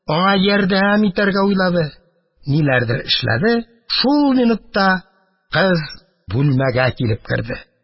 Аңа ярдәм итәргә уйлады, ниләрдер эшләде, шул минутта кыз бүлмәгә килеп керде.